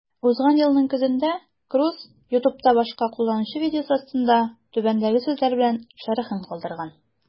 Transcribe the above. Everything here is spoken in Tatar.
Узган елның көзендә Круз YouTube'та башка кулланучы видеосы астында түбәндәге сүзләр белән шәрехен калдырган: